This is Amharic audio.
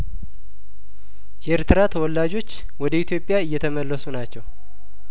የኤርትራ ተወላጆች ወደ ኢትዮጵያ እየተመለሱ ናቸው